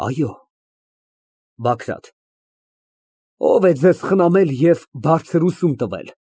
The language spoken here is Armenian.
Այո։ ԲԱԳՐԱՏ ֊ Ո՞վ է ձեզ խնամել և բարձր ուսում տվել։